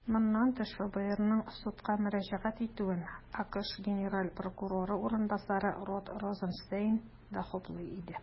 Моннан тыш, ФБРның судка мөрәҗәгать итүен АКШ генераль прокуроры урынбасары Род Розенстейн да хуплый иде.